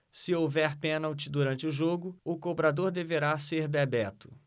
se houver pênalti durante o jogo o cobrador deverá ser bebeto